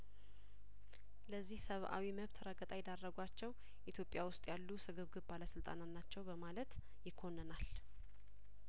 ለዚህ ሰብአዊ መብት ረገጣ የዳረ ጓቸው ኢትዮጵያውስጥ ያሉ ስግብግብ ባለስልጣናት ናቸው በማለት ይኮንናል